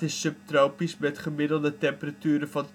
subtropisch met gemiddelde temperaturen van